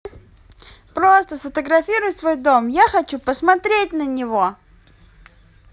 просто сфотографируй свой дом я хочу посмотреть на него